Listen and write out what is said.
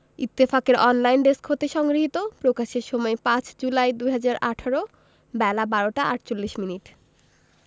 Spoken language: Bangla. ইত্তফাকের অনলাইন ডেস্ক হতে সংগৃহীত প্রকাশের সময় ৫ জুলাই ২০১৮ বেলা১২টা ৪৮ মিনিট